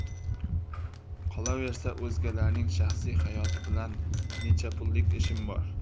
qolaversa o'zgalarning shaxsiy hayoti bilan necha pullik ishim bor